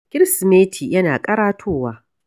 Kirsimeti yana ƙaratowa.